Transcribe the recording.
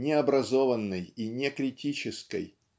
необразованной и некритической